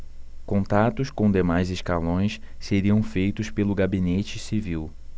contatos com demais escalões seriam feitos pelo gabinete civil